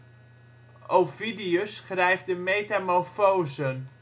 Ovidius schrijft de Metamorphosen